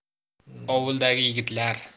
ovuldagi yigitlar